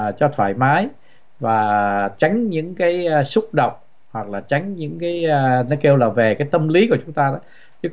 cho thoải mái và tránh những cái xúc động hoặc là tránh những cái nó kêu là về cái tâm lý của chúng ta